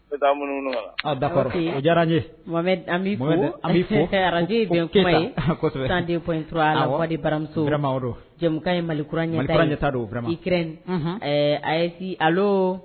Diyara araz kuma yeden intura baramusoma jamukan ye mali kurata dɔwkprɛn ayise ale